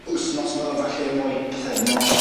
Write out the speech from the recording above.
...wthnos ma' nw falle mwy pythefnos.